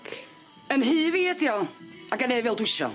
Yn nhŷ fi ydi o. A gai neu fel dwisio.